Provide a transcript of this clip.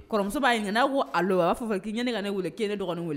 Kɔrɔmuso b'a ɲinika n'a ko ko allo ab'a fɔ ko yani i ka ne weele k'i ye ne dɔgɔni weele wa?